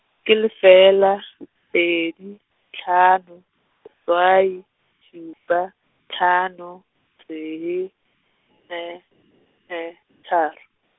ke lefela , pedi, hlano , -swai, šupa, hlano, tee, ne, ne, tharo.